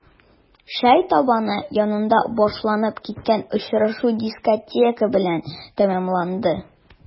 Чәй табыны янында башланып киткән очрашу дискотека белән тәмамланды.